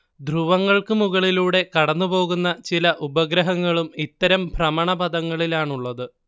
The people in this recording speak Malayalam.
ധ്രുവങ്ങൾക്കു മുകളിലൂടെ കടന്നുപോകുന്ന ചില ഉപഗ്രഹങ്ങളും ഇത്തരം ഭ്രമണപഥങ്ങളിലാണുള്ളത്